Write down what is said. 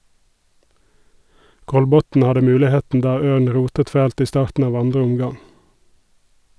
Kolbotn hadde muligheten da Ørn rotet fælt i starten av 2. omgang.